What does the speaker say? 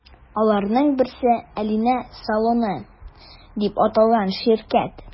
Аларның берсе – “Алина салоны” дип аталган ширкәт.